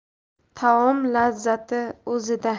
taom lazzati o'zida